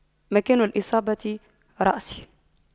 مكان الإصابة رأسي